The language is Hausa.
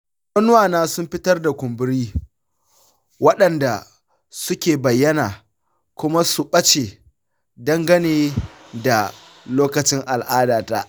nonuwana sun fitar da kumburi waɗanda suke bayyana kuma su ɓace dangane da lokacin al'adata.